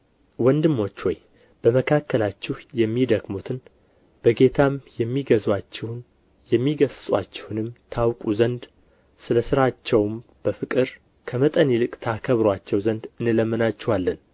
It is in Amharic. ወንድሞች ሆይ በመካከላችሁ የሚደክሙትን በጌታም የሚገዙአችሁን የሚገሥጹአችሁንም ታውቁ ዘንድ ስለ ሥራቸውም በፍቅር ከመጠን ይልቅ ታከብሩአቸው ዘንድ እንለምናችኋለን